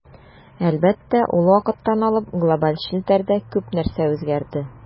Әлбәттә, ул вакыттан алып глобаль челтәрдә күп нәрсә үзгәрде.